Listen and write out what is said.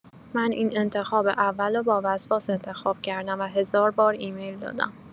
من این انتخاب اولو با وسواس انتخاب کردم و هزار بار ایمیل دادم.